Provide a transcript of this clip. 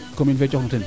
commune fee coxnao ten